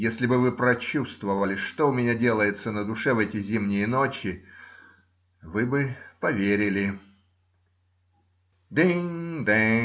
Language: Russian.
если бы вы прочувствовали, что у меня делается на душе в эти зимние ночи, вы бы поверили. "Динг-данг!